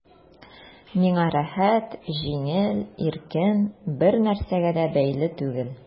Миңа рәхәт, җиңел, иркен, бернәрсәгә дә бәйле түгел...